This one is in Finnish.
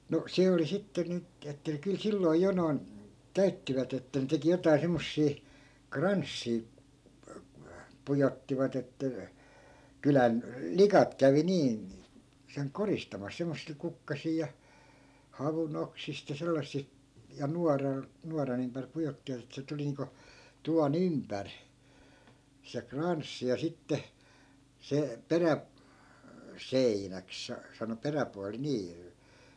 no se oli sitten nyt että kyllä silloin jo noin käyttivät että ne teki jotakin semmoisia kranssia pujottivat että kylän likat kävi niin sen koristamassa semmoisilla kukkasilla ja havunoksista ja - ja nuoralla nuoran ympäri pujottivat että se tuli niin kuin tuvan ympäri se kranssi ja sitten se - peräseinäksi - sanoi peräpuoli niin